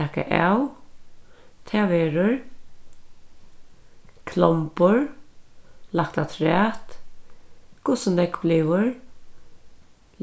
taka av tað verður klombur lagt afturat hvussu nógv